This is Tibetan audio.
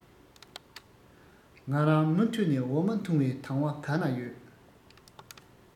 ང རང མུ མཐུད ནས འོ མ འཐུང བའི དང བ ག ན ཡོད